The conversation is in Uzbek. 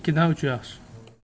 ikkidan uch yaxshi